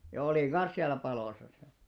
ja olin kanssa siellä palossa sitten